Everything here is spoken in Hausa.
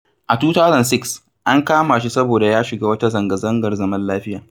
A 2006, an kama shi saboda ya shiga wata zanga-zangar zaman lafiya.